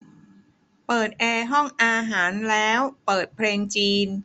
เปิดแอร์ห้องอาหารแล้วเปิดเพลงจีน